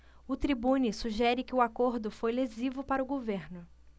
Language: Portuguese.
o tribune sugere que o acordo foi lesivo para o governo